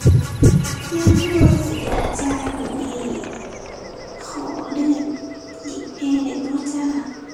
ยังบ่สะดวกจ่ายมื้อนี้ ขอเลื่อนอีกแหน่ได้บ่จ้า